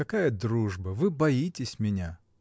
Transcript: Какая дружба: вы боитесь меня!